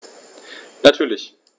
Natürlich.